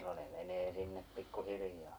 no ne menee sinne pikku hiljaa